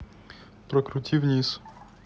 прокрути вниз